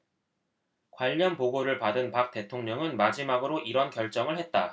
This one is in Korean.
관련 보고를 받은 박 대통령은 마지막으로 이런 결정을 했다